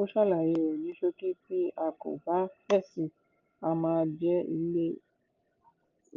Ó ṣàlàyé rẹ̀ ní ṣókí: "Tí a kò bá fèsì, a máa jẹ́